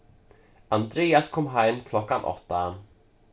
andrias kom heim klokkan átta